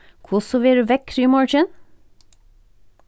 hvussu verður veðrið í morgin